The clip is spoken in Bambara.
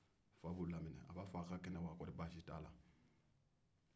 fa b'u laminɛ a b'a fo aw ka kɛnɛ wa